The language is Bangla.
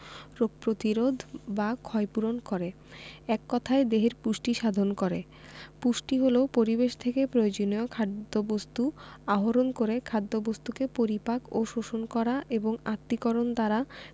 রোগ প্রতিরোধ বা ক্ষয়পূরণ করে এক কথায় দেহের পুষ্টি সাধন করে পুষ্টি হলো পরিবেশ থেকে প্রয়োজনীয় খাদ্যবস্তু আহরণ করে খাদ্যবস্তুকে পরিপাক ও শোষণ করা এবং আত্তীকরণ দ্বারা